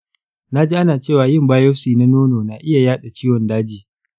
na ji ana cewa yin biopsy na nono na iya yaɗa ciwon daji.